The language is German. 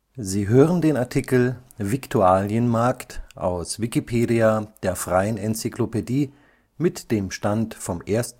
Sie hören den Artikel Viktualienmarkt, aus Wikipedia, der freien Enzyklopädie. Mit dem Stand vom Der